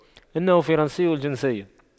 أنه فرنسي الجنسية